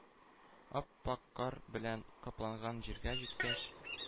Ап-ак кар белән капланган җиргә җиткәч,